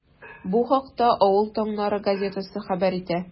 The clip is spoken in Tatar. Бу хакта “Авыл таңнары” газетасы хәбәр итә.